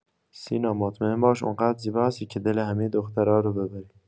سینا مطمئن باش اون قدر زیبا هستی که دل همه دخترا رو ببری.